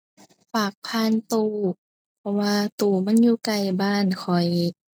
ฝากผ่านตู้ เพราะว่าตู้มันอยู่ใกล้บ้านข้อย